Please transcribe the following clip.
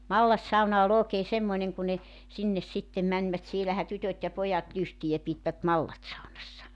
mallassauna oli oikein semmoinen kun ne sinne sitten menivät siellähän tytöt ja pojat lystiä pitivät mallassaunassa